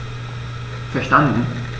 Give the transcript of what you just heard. Verstanden.